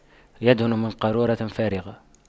يدهن من قارورة فارغة